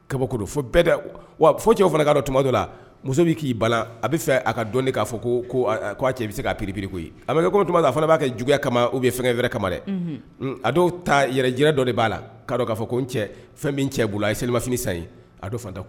Kaba fo bɛɛ wa fo cɛw fana k'a dɔn toma dɔ la muso' k'i ba a bɛ fɛ a ka dɔn k'a fɔ ko'a cɛ bɛ se k' piririku koyi a bɛ kɛ ko la a fana b'a juguya kama u ye fɛn yɛrɛ kama dɛ a dɔw ta yɛrɛ jinɛ dɔ de b'a la k'a dɔn k'a fɔ ko n cɛ fɛn min cɛ bolo a ye selilimaf san ye a don